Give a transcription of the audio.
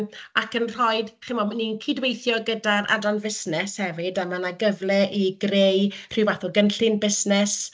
Ac yn rhoi, chimod, ni'n cydweithio gyda'r adran fusnes hefyd a mae 'na gyfle i greu rhyw fath o gynllun busnes.